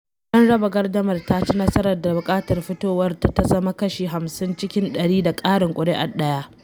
Don raba gardamar ta ci nasara da buƙatar fitowar ta zama kashi 50 cikin ɗari da ƙarin kuri’a ɗaya.